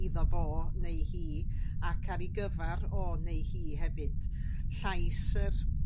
iddo fo neu hi ac ar 'i gyfar o neu hi hefyd llais yr